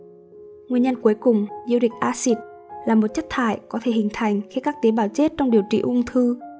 nguyên nhân cuối cùng uric acid là một chất thải có thể hình thành khi các tế bào chết trong điều trị ung thư